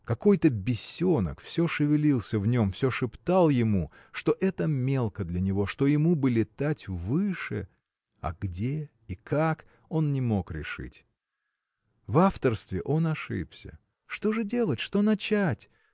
Какой-то бесенок все шевелился в нем все шептал ему что это мелко для него что ему бы летать выше. а где и как – он не мог решить. В авторстве он ошибся. Что же делать, что начать?